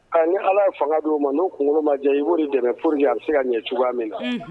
A ni ala ye fanga d' u ma n'u kunkolo majɛ i b'o dɛmɛ furu ye a bɛ se ka ɲɛ cogoya min na